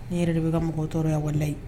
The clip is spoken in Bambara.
Ne yɛrɛ bɛ ka mɔgɔ tɔɔrɔ yan wari ye